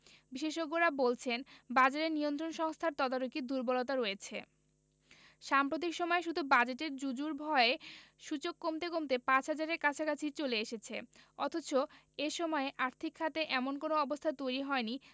বিশেষজ্ঞরা বলছেন বাজারে নিয়ন্ত্রক সংস্থার তদারকি দুর্বলতা রয়েছে সাম্প্রতিক সময়ে শুধু বাজেটের জুজুর ভয়ে সূচক কমতে কমতে ৫ হাজারের কাছাকাছি চলে এসেছে অথচ এ সময়ে আর্থিক খাতে এমন কোনো অবস্থা তৈরি হয়নি